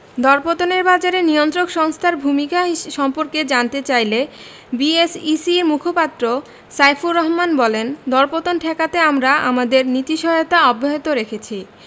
দরপতনের বাজারে নিয়ন্ত্রক সংস্থার ভূমিকা সম্পর্কে জানতে চাইলে বিএসইসির মুখপাত্র সাইফুর রহমান বলেন দরপতন ঠেকাতে আমরা আমাদের নীতি সহায়তা অব্যাহত রেখেছি